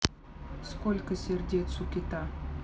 сколько сердец у кита